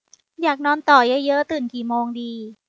อยากนอนต่อเยอะเยอะตื่นกี่โมงดี